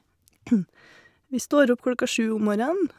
Vi står opp klokka sju om morgenen.